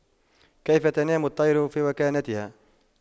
وكيف تنام الطير في وكناتها